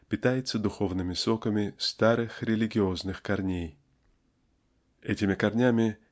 питается духовными соками старых религиозных корней. Этими корнями